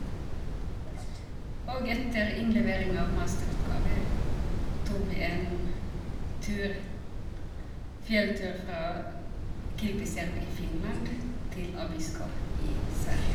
Og etter innlevering av masteroppgave, tok vi en tur fjelltur fra Kilpisjärvi i Finland til Abisko i Sverige.